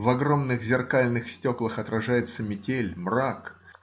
В огромных зеркальных стеклах отражается метель, мрак.